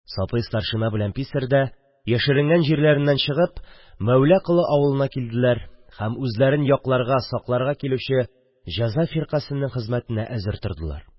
Сапый старшина белән писарь да, яшеренгән җирләреннән чыгып, Мәүлә Колы авылына килделәр һәм үзләрен якларга-сакларга килүче җаза фиркасының хезмәтенә әзер тордылар.